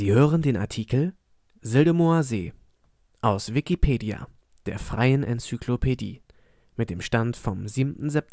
hören den Artikel Sildemower See, aus Wikipedia, der freien Enzyklopädie. Mit dem Stand vom Der